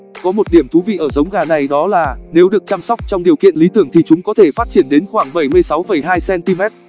có một điểm thú vị ở giống gà này đó là nếu được chăm sóc trong điều kiện lý tưởng thì chúng có thể phát triển đến khoảng cm